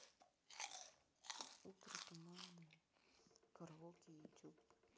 утро туманное караоке ютуб